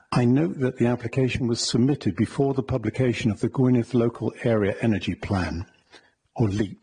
I note that the application was submitted before the publication of the Gwynedd Local Area Energy Plan, or LEAP.